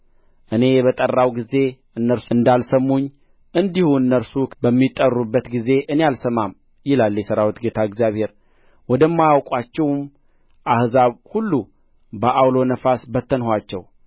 እኔ በጠራሁ ጊዜ እነርሱ እንዳልሰሙኝ እንዲሁ እነርሱ በሚጠሩበት ጊዜ እኔ አልሰማም ይላል የሠራዊት ጌታ እግዚአብሔር ወደማያውቁአቸውም አሕዛብ ሁሉ በዐውሎ ነፋስ በተንኋቸው